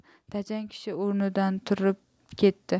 tajang kishi o'rnidan turib ketdi